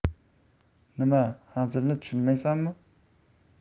nima hazilni tushunmaysanmi